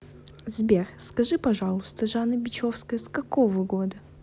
сбер скажи пожалуйста жанна бичевская с какого года